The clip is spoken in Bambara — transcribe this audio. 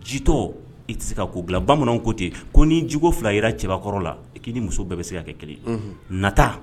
Jitɔ, i tɛ se ka ko dilan, bamananw ko ten, ko ni ji ko 2 ye la cɛbakɔrɔ la, i k'i ni muso bɛɛ bɛ se ka kɛ kelen ye . Nata